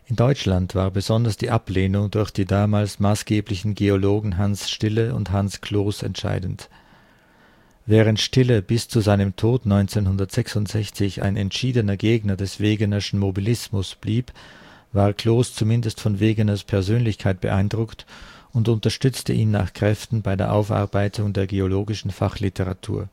Deutschland war besonders die Ablehnung durch die damals maßgeblichen Geologen Hans Stille und Hans Cloos entscheidend. Während Stille bis zu seinem Tod 1966 ein entschiedener Gegner des Wegenerschen „ Mobilismus “blieb, war Cloos zumindest von Wegeners Persönlichkeit beeindruckt und unterstützte ihn nach Kräften bei der Aufarbeitung der geologischen Fachliteratur